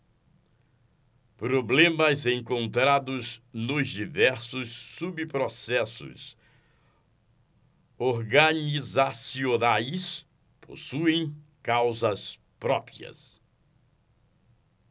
problemas encontrados nos diversos subprocessos organizacionais possuem causas próprias